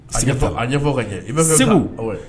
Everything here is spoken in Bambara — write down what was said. Sigi a ɲɛfɔ ka ɲɛ i bɛ segu